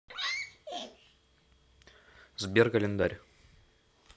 сбер календарь